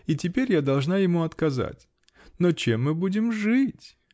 И теперь я должна ему отказать! Но чем мы будем жить?